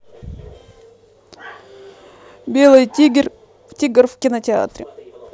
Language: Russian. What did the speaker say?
белый тигр в кинотеатр